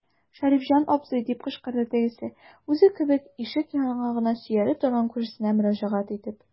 Шәрифҗан абзый, - дип кычкырды тегесе, үзе кебек ишек яңагына сөялеп торган күршесенә мөрәҗәгать итеп.